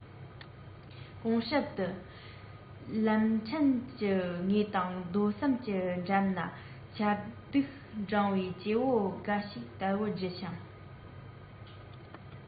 གྲོང གསེབ ཏུ ལམ ཕྲན གྱི ངོས དང རྡོ ཟམ གྱི འགྲམ ན ཆར གདུགས སྒྲེང བའི སྐྱེ བོ འགའ ཞིག དལ བུར རྒྱུ ཞིང